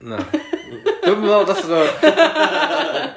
Na ...... dwi 'm yn meddwl nathon nhw...